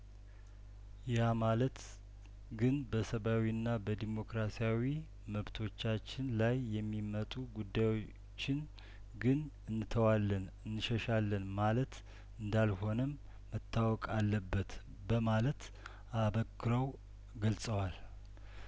ያማለት ግን በሰብአዊና በዲሞክራሲያዊ መብቶቻችን ላይ የሚመጡ ጉዳዮችን ግን እንተዋለን እንሸሻለን ማለት እንዳልሆነም መታወቅ አለበት በማለት አበክረው ገልጸዋል